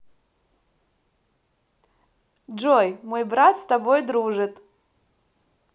джой мой брат с тобой дружат